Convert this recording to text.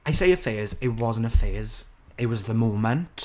I say a phase, it wasn't a phase, it was the moment.